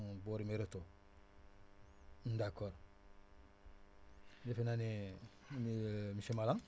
booru Mereto d' accord defe naa ne monsieur Malang